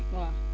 waaw